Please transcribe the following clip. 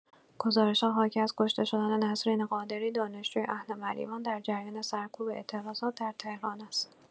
گزارش‌ها حاکی‌از کشته شدن نسرین قادری دانشجوی اهل مریوان در جریان سرکوب اعتراضات در تهران است.